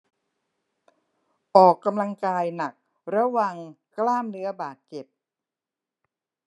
ออกกำลังกายหนักระวังกล้ามเนื้อบาดเจ็บ